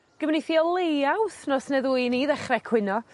Gymrith 'i o leia wthnos ne' ddwy i ni ddechre cwyno